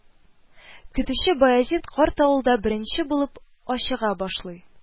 Көтүче Баязит карт авылда беренче булып ачыга башлый